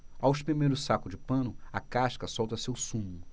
ao espremer o saco de pano a casca solta seu sumo